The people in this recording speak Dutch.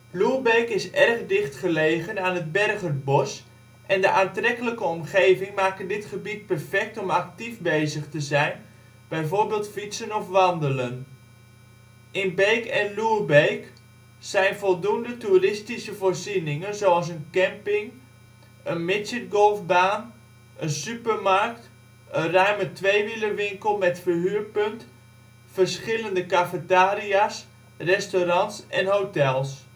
Loerbeek is erg dicht gelegen aan het Bergherbos en de aantrekkelijke omgeving maken dit gebied perfect om actief bezig te zijn, bijvoorbeeld fietsen of wandelen. In Beek en Loerbeek zijn voldoende toeristische voorzieningen, zoals een camping, een midgetgolfbaan, een supermarkt, een ruime tweewielerwinkel met verhuurpunt, verschillende cafetaria 's, restaurants en hotels